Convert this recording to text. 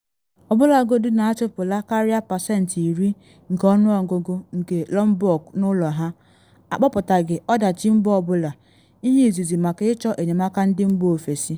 Ọbụlagodi na achụpụla karịa pasentị 10 nke ọnụọgụgụ nke Lombok n’ụlọ ha, akpọpụtaghị ọdachi mba ọ bụla, ihe izizi maka ịchọ enyemaka ndị mba ofesi.